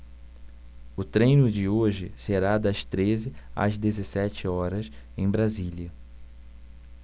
o treino de hoje será das treze às dezessete horas em brasília